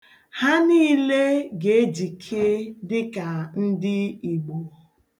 Ha niile ga-ejike dịka ndị Igbo.